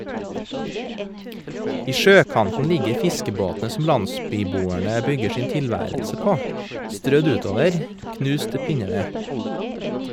I sjøkanten ligger fiskebåtene som landsbyboerne bygger sin tilværelse på, strødd utover , knust til pinneved.